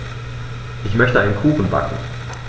Ich möchte einen Kuchen backen.